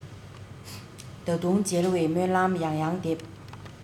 ད དུང མཇལ བའི སྨོན ལམ ཡང ཡང འདེབས